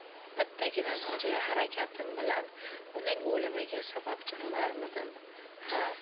bittagina nojo'ya harakatim bilan uning o'limiga sababchi bo'larmidim ha